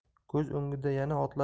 ko'z o'ngida yana otlar